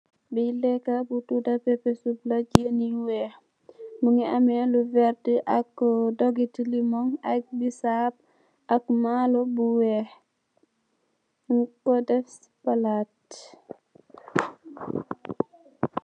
Bi leka bu tuda pepe sup la, jèn yu weeh, mungi ameh lu vert, ak dogiti limong, ak bisaab, ak maalo bu weeh, nyungko def si palaat.